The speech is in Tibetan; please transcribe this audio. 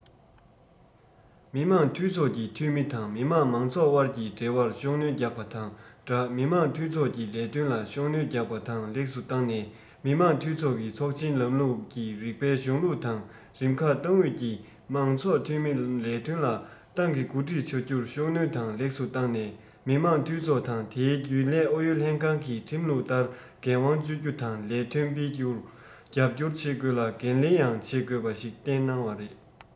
མི དམངས འཐུས ཚོགས ཀྱི འཐུས མི དང མི དམངས མང ཚོགས དབར གྱི འབྲེལ བར ཤུགས སྣོན རྒྱག པ དང སྦྲགས མི དམངས འཐུས ཚོགས ཀྱི ལས དོན ལ ཤུགས སྣོན རྒྱག པ དང ལེགས སུ བཏང ནས མི དམངས འཐུས མི ཚོགས ཆེན ལམ ལུགས ཀྱི རིགས པའི གཞུང ལུགས དང རིམ ཁག ཏང ཨུད ཀྱིས མི དམངས འཐུས ཚོགས ཀྱི ལས དོན ལ ཏང གིས འགོ ཁྲིད བྱ རྒྱུར ཤུགས སྣོན དང ལེགས སུ བཏང ནས མི དམངས འཐུས ཚོགས དང དེའི རྒྱུན ལས ཨུ ཡོན ལྷན ཁང གིས ཁྲིམས ལུགས ལྟར འགན དབང སྤྱོད རྒྱུ དང ལས དོན སྤེལ རྒྱུར རྒྱབ སྐྱོར བྱེད དགོས ལ འགན ལེན ཡང བྱེད དགོས ཞེས བསྟན གནང བ རེད